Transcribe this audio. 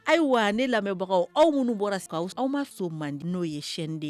Ayiwa ne lamɛnbagaw aw minnu bɔra s aw ma sɔn mande n'o yeyɛnden